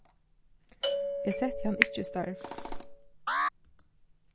eg setti hann ikki í starv